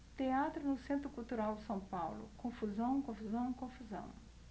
teatro no centro cultural são paulo confusão confusão confusão